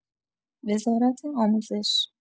وزارت آموزش